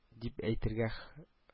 Дип әйтергә